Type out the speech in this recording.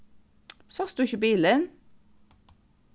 sást tú ikki bilin